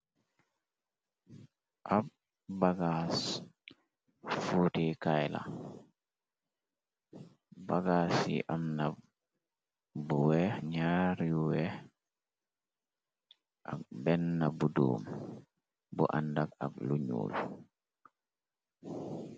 Ab bagaas futéé kayla bagaas yi am na bu wèèx, ñaari yu wèèx ak benna bu doom bu àndak ak lu ñuul.